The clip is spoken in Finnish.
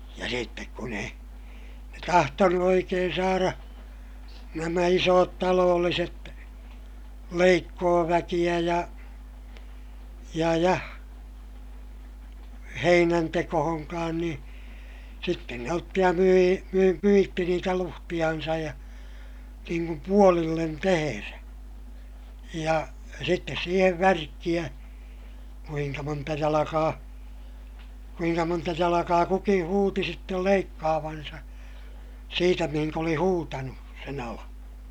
ja sitten kun ei ne tahtonut oikein saada nämä isot talolliset leikkuuväkeä ja ja ja heinäntekoonkaan niin sitten ne otti ja myi - myi niitä luhtejansa ja niin kuin puolille tehdä ja sitten siihen värkkejä kuinka monta jalkaa kuinka monta jalkaa kukin huusi sitten leikkaavansa siitä mihin oli huutanut sen alan